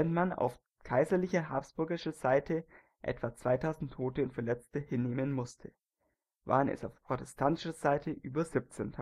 man auf kaiserlich-habsburgischer Seite etwa 2.000 Tote und Verletzte hinnehmen musste, waren es auf protestantischer Seite über 17.000